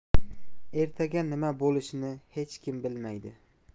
ertaga nima bo'lishini hech kim bilmaydi